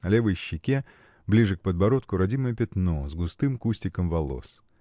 на левой щеке, ближе к подбородку, родимое пятно с густым кустиком волос.